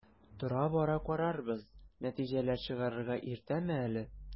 Тора-бара карарбыз, нәтиҗәләр чыгарырга иртәме әле?